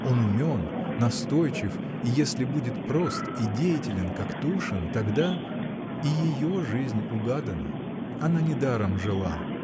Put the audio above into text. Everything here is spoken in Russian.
Он умен, настойчив, и если будет прост и деятелен, как Тушин, тогда. и ее жизнь угадана. Она недаром жила.